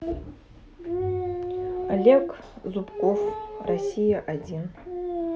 олег зубков россия один